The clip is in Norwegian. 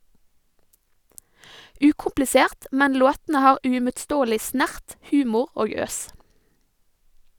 Ukomplisert, men låtene har uimotståelig snert, humor og øs.